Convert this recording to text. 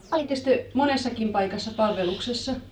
olittekos te monessakin paikassa palveluksessa